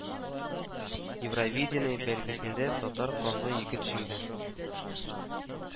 Евровидение бәйгесендә татар канлы егет җиңде